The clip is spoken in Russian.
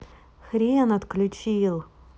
хрен отключил